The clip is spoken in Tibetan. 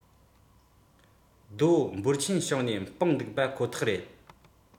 སྒེར སྡེམ བའི ཕན འབྲས ཆུང ཆུང མང པོ ཞིག ལྷག སྲིད